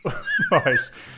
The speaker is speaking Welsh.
Oes.